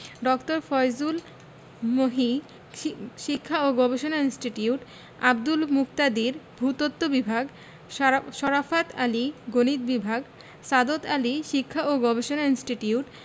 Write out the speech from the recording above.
ড. ফয়জুল মহি শিক্ষা ও গবেষণা ইনস্টিটিউট আব্দুল মুকতাদির ভূ তত্ত্ব বিভাগ শরাফৎ আলী গণিত বিভাগ সাদত আলী শিক্ষা ও গবেষণা ইনস্টিটিউট